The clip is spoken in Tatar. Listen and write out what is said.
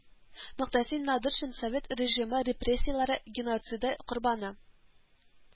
Мөгътәсим Надыршин Совет режимы репрессияләре геноциды корбаны